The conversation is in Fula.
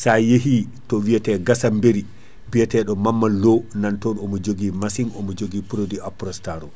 sa yeehi to wiyate Gassambiri biyateɗo Mamadou Lo nanton omo joogui machine omo jogui produit Aprostar o